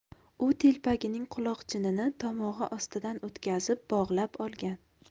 u telpagining quloqchinini tomog'i ostidan o'tkazib bog'lab olgan